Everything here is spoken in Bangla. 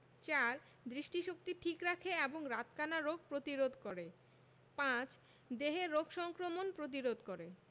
৪. দৃষ্টিশক্তি ঠিক রাখে এবং রাতকানা রোগ প্রতিরোধ করে ৫. দেহে রোগ সংক্রমণ প্রতিরোধ করে